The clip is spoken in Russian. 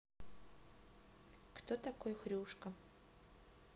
кто такой хрюшка